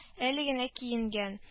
Әле генә киенгән